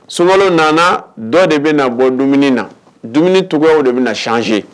Sunkalo nana dɔ de bɛna bɔ dumuni na, dumuni cogoyaw de bɛna changer